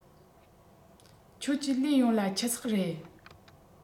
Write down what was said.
ཁྱོད ཀྱིས ལུས ཡོངས ལ ཆུ ཟེགས རེད